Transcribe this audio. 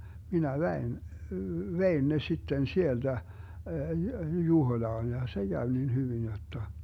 minä vein vein ne sitten sieltä Juhoilaan ja se kävi niin hyvin jotta